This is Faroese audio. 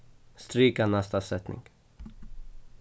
strika næsta setning